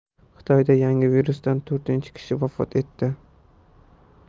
xitoyda yangi virusdan to'rtinchi kishi vafot etdi